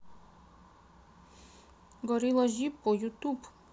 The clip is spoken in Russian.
горилла зиппо ютуб